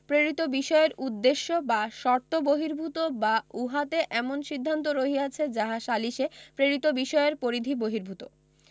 প্রেরিত বিষয়ের উদ্দেশ্য বা শর্ত বহির্ভুত বা উহাতে এমন সিদ্ধান্ত রহিয়াছে যাহা সালিসে প্রেরিত বিষয়ের পরিধি বহির্ভূত